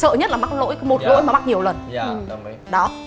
sợ nhất là mắc lỗi một lỗi mà mắc nhiều lần đó